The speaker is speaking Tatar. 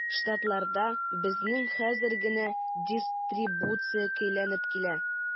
Штатларда безнең хәзер генә дистрибуция көйләнеп килә.